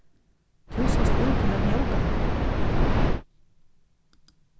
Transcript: tú sást út til at njóta hatta